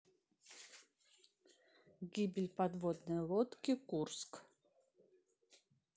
гибель подводной лодки курск